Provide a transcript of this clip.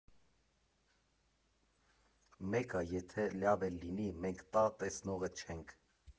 ֊ Մեկա, եթե լյավ էլ լինի, մենք տա տեսնողը չենք։